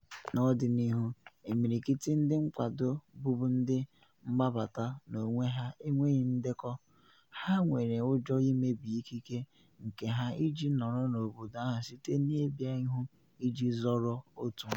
N’ọdịnala, imirikiti ndị nkwado bubu ndị mgbabata n’onwe ha enweghị ndekọ, ha nwere ụjọ imebi ikike nke ha iji nọrọ n’obodo ahụ site na ịbịa ihu iji zọrọ otu nwa.